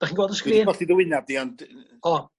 'Dach chi'n gweld y sgrîn? Dwi 'di colli dy wynab di ond... O.